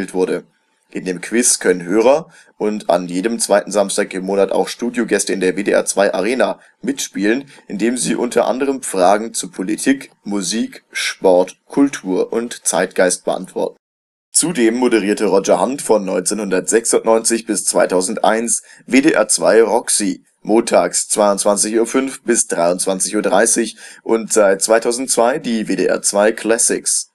wurde. In dem Quiz können Hörer (und an jedem zweiten Samstag im Monat auch Studiogäste in der WDR 2-Arena) mitspielen, indem sie u. a. Fragen zu Politik, Musik, Sport, Kultur und Zeitgeist beantworten. Zudem moderierte Roger Handt von 1996 bis 2001 WDR 2 Roxy (montags 22:05 bis 23:30 Uhr) und seit 2002 die WDR 2 Classics